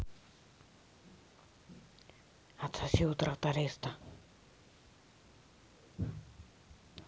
отсоси у тракториста